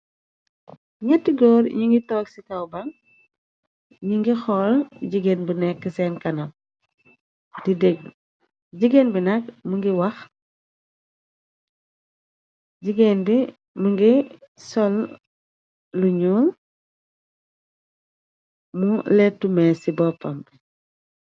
Nyetti góor ñi ngi toog ci kawbaŋ ñi ngi xool jigéen bu nekk seen kana di dégg. Jigéen bi nag mi ngi wax jigéen di mi ngi sol luñu mu lettu mées ci boppambi.